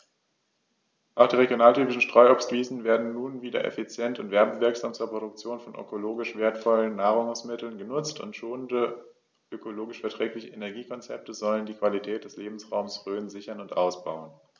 Auch die regionaltypischen Streuobstwiesen werden nun wieder effizient und werbewirksam zur Produktion von ökologisch wertvollen Nahrungsmitteln genutzt, und schonende, ökologisch verträgliche Energiekonzepte sollen die Qualität des Lebensraumes Rhön sichern und ausbauen.